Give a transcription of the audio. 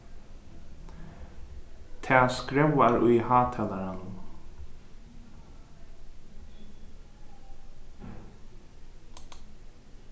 tað skróvar í hátalarunum